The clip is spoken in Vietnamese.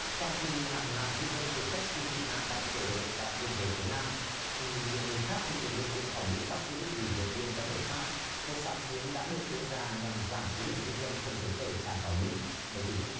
trong khi hàng ngàn di dân tìm cách xin tị nạn đang chờ đợi tại biên giới phía nam thì nhiều người khác bị lực lượng biên phòng mỹ bắt giữ vì vượt biên bất hợp pháp một sáng kiến đã được đưa ra nhằm giảm số lượng di dân không giấy tờ tràn vào mỹ mời quý vị